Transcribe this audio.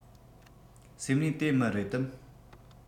སེམས ནས དེ མི རེད ནམ